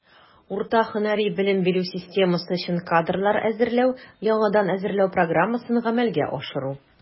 Урта һөнәри белем бирү системасы өчен кадрлар әзерләү (яңадан әзерләү) программасын гамәлгә ашыру.